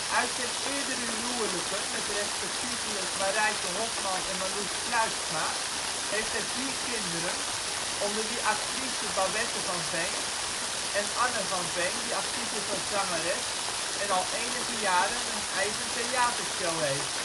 Uit zijn eerdere huwelijken met respectievelijk Marijke Hoffman en Marlous Fluitsma heeft hij vier kinderen, onder wie actrice Babette van Veen en Anne van Veen die actief is als zangeres en al enige jaren een eigen theatershow heeft